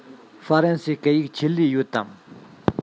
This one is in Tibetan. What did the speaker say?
ཧྥ རན སིའི སྐད ཡིག ཆེད ལས ཡོད དམ